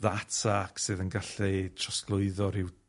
ddata sydd yn gallu trosglwyddo rhyw